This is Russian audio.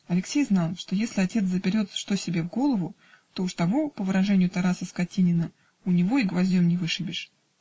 Алексей знал, что если отец заберет что себе в голову, то уж того, по выражению Тараса Скотинина, у него и гвоздем не вышибешь